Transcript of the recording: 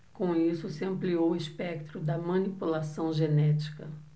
com isso se ampliou o espectro da manipulação genética